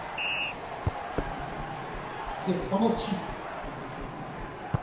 сбер помолчи